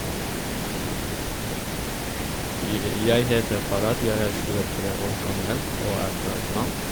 Jeg heter Farad, jeg er tjuetre år gammel og er fra Iran.